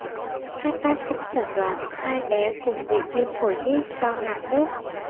các bác sĩ chẩn đoán hai bé cùng bị viêm phổi hít do ngạt nước